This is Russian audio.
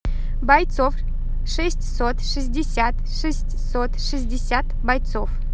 бойцов шестьсот шестьдесят шестьсот шестьдесят бойцов